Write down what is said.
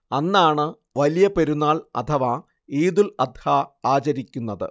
അന്നാണ് വലിയ പെരുന്നാൾ അഥവാ ഈദുൽ അദ്ഹ ആചരിയ്ക്കുന്നത്